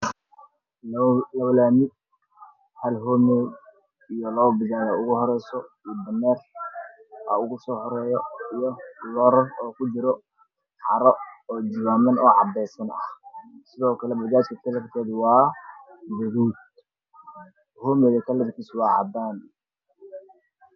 Halkaan waxaa ka muuqdo labo bajaaj oo guduud oo isgarab socoto laamiga dhanka shishay waxaa sii socdo caasi cadaan